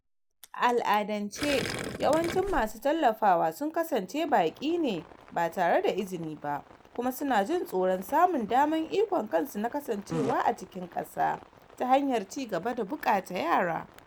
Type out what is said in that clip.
A al'adance, yawancin masu tallafawa sun kasance baƙi ne ba tare da izini ba, kuma su na jin tsoro samun daman ikon kansu na kasancewa a cikin ƙasa ta hanyar ci gaba da bukata yara.